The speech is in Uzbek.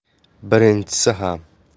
birinchisi ham